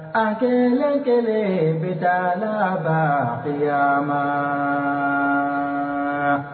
A kelen kelen bɛ taa laban ma